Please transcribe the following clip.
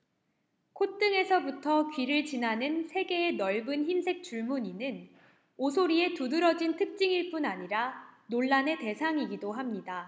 콧등에서부터 귀를 지나는 세 개의 넓은 흰색 줄무늬는 오소리의 두드러진 특징일 뿐 아니라 논란의 대상이기도 합니다